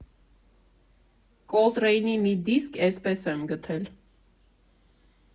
Կոլտրեյնի մի դիսկ էսպես եմ գտել.